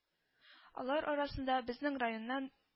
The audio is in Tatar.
Алар арасында безнең районнан